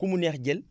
ku mu neex jël